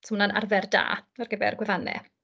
So ma' hwnna'n arfer da ar gyfer gwefannau.